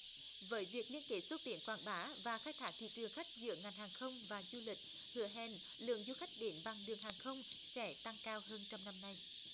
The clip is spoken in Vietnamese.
với việc liên kết xúc tiến quảng bá và khai thác thị trường khách giữa ngành hàng không và du lịch hứa hẹn lượng du khách đến bằng đường hàng không sẽ tăng cao hơn trong năm nay